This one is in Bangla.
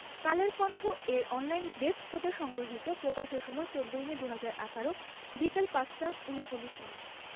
কালের কণ্ঠ এর অনলাইনে ডেস্ক হতে সংগৃহীত প্রকাশের সময় ১৪মে ২০১৮ বিকেল ৫টা ৩৯ মিনিট